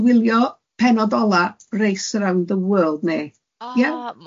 i wylio pennod ola Race Around the World ne, ia?